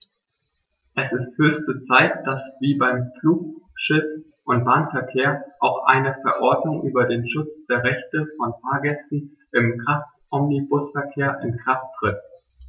Es ist höchste Zeit, dass wie beim Flug-, Schiffs- und Bahnverkehr auch eine Verordnung über den Schutz der Rechte von Fahrgästen im Kraftomnibusverkehr in Kraft tritt.